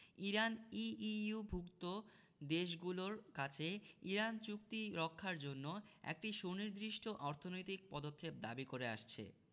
Iran ইইউভুক্ত দেশগুলোর কাছে ইরান চুক্তি রক্ষার জন্য একটি সুনির্দিষ্ট অর্থনৈতিক পদক্ষেপ দাবি করে আসছে